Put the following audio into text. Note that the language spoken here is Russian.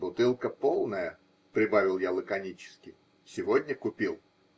-- Бутылка полная, -- прибавил я лаконически, -- сегодня купил.